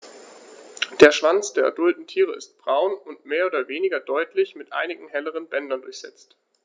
Der Schwanz der adulten Tiere ist braun und mehr oder weniger deutlich mit einigen helleren Bändern durchsetzt.